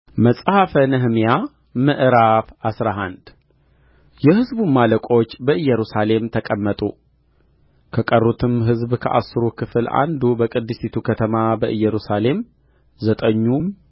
መጽሐፈ ነህምያ ምዕራፍ አስራ አንድ የሕዝቡም አለቆች በኢየሩሳሌም ተቀመጡ ከቀሩትም ሕዝብ ከአሥሩ ክፍል አንዱ በቅድስቲቱ ከተማ በኢየሩሳሌም ዘጠኙም